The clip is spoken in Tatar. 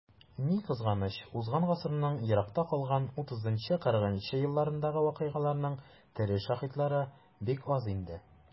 Ни кызганыч, узган гасырның еракта калган 30-40 нчы елларындагы вакыйгаларның тере шаһитлары бик аз инде.